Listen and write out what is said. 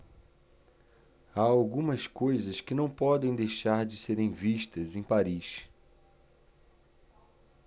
há algumas coisas que não podem deixar de serem vistas em paris